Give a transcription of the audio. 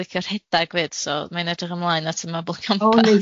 licio rhedag 'fyd, so mai'n edrych ymlaen at y Mabolgampa.